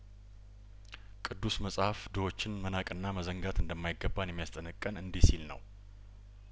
ቅዱስ መጽሀፍ ድሆችን መናቅና መዘንጋት እንደማይገባን የሚያስጠነቅቀን እንዲህ ሲል ነው